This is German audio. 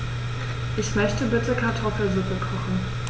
Ich möchte bitte Kartoffelsuppe kochen.